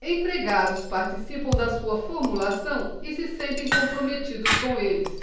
empregados participam da sua formulação e se sentem comprometidos com eles